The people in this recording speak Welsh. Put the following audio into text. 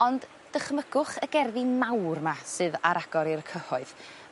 Ond dychmygwch y gerddi mawr 'ma sydd ar agor i'r cyhoedd.